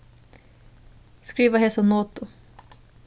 skriva hesa notu